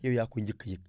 yow yaa koy njëkk a yëg